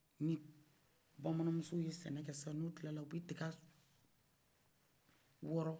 n i bamanan musow ye sɛnɛkɛ sisan n'u tilara u bɛ tiga wɔrɔ